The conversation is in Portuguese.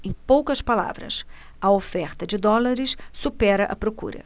em poucas palavras a oferta de dólares supera a procura